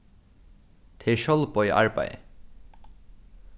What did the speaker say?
tað er sjálvboðið arbeiði